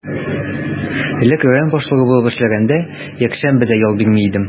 Элек район башлыгы булып эшләгәндә, якшәмбе дә ял бирми идем.